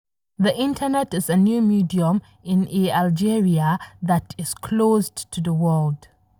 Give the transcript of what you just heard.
The Internet is a new medium in a Algeria that is closed to the world.